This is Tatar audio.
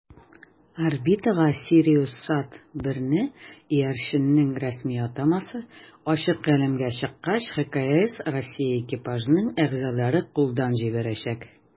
Орбитага "СириусСат-1"ны (иярченнең рәсми атамасы) ачык галәмгә чыккач ХКС Россия экипажының әгъзалары кулдан җибәрәчәк.